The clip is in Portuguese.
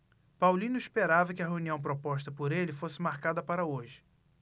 paulino esperava que a reunião proposta por ele fosse marcada para hoje